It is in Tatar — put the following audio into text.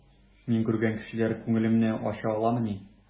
Мин күргән кешеләр күңелемне ача аламыни?